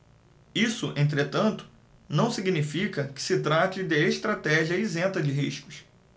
isso entretanto não significa que se trate de estratégia isenta de riscos